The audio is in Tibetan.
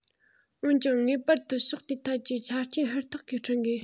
འོན ཀྱང ངེས པར དུ ཕྱོགས དེའི ཐད ཀྱི ཆ རྐྱེན ཧུར ཐག གིས བསྐྲུན དགོས